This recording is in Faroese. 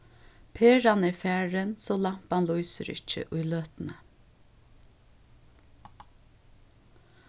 peran er farin so lampan lýsir ikki í løtuni